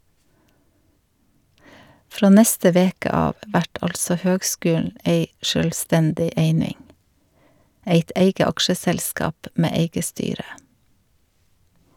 Frå neste veke av vert altså høgskulen ei sjølvstendig eining, eit eige aksjeselskap med eige styre.